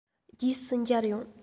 རྗེས སུ མཇལ ཡོང